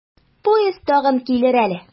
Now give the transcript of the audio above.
Поезд тагын килер әле.